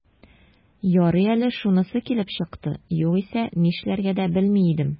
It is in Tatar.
Ярый әле шунысы килеп чыкты, югыйсә, нишләргә дә белми идем...